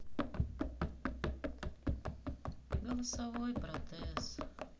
голосовой протез